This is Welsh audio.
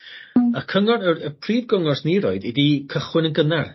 Hmm. Y cyngor y y prif gyngor swn i roid idi cychwyn yn gynnar.